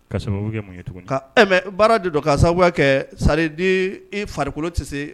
Ka sababu kɛ mun ye tuguni baara de don k ka sababu kɛ sa di farikolo tɛ se